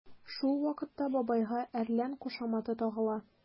Шул вакытта бабайга “әрлән” кушаматы тагыла.